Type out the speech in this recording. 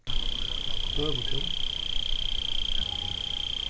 tøðutún